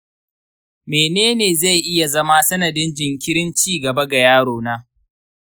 mene ne zai iya zama sanadin jinkirin ci gaba ga yarona?